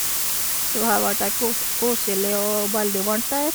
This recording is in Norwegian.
Så har vært der kos koselig og veldig varmt der.